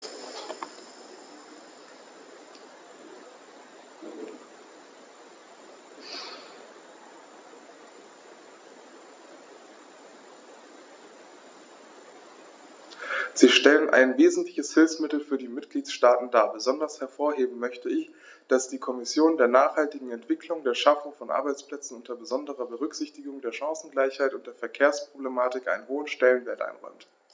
Sie stellen ein wesentliches Hilfsmittel für die Mitgliedstaaten dar. Besonders hervorheben möchte ich, dass die Kommission der nachhaltigen Entwicklung, der Schaffung von Arbeitsplätzen unter besonderer Berücksichtigung der Chancengleichheit und der Verkehrsproblematik einen hohen Stellenwert einräumt.